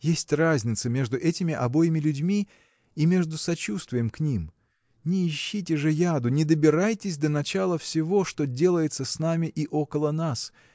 Есть разница между этими обоими людьми и между сочувствием к ним. Не ищите же яду не добирайтесь до начала всего что делается с нами и около нас